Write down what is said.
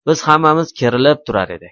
biz hammamiz kerilib turar edik